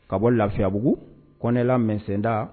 Ka bɔ lafiyabugu kɔnɛla mda